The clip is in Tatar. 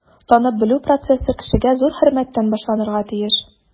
Танып-белү процессы кешегә зур хөрмәттән башланырга тиеш.